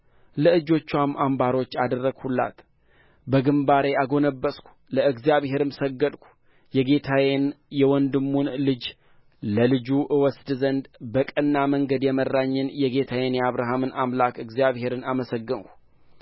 ለእጆችዋም አምባሮች አደረግሁላት በግምባሬም አጎነበስሁ ለእግዚአብሔርም ሰገድሁ የጌታዬን የወንድሙን ልጅ ለልጁ እወስድ ዘንድ በቀና መንገድ የመራኝን የጌታዬን የአብርሃምን አምላክ እግዚአብሔርን አመሰገንሁ